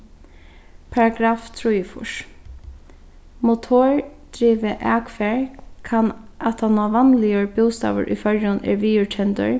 paragraff trýogfýrs motordrivið akfar kann aftaná vanligur bústaður í føroyum er viðurkendur